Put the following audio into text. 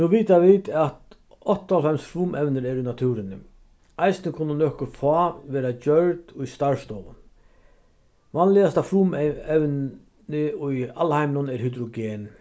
nú vita vit at áttaoghálvfems frumevnir eru í náttúruni eisini kunnu nøkur fá verða gjørd í starvsstovum vanligasta frumevni í alheiminum er hydrogen